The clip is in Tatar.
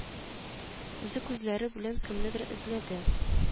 Үзе күзләре белән кемнедер эзләде